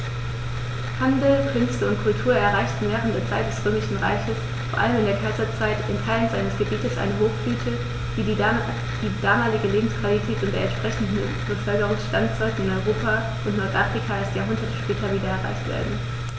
Handel, Künste und Kultur erreichten während der Zeit des Römischen Reiches, vor allem in der Kaiserzeit, in Teilen seines Gebietes eine Hochblüte, die damalige Lebensqualität und der entsprechende Bevölkerungsstand sollten in Europa und Nordafrika erst Jahrhunderte später wieder erreicht werden.